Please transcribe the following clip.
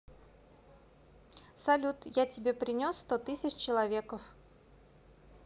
салют я тебе принес сто тысяч человеков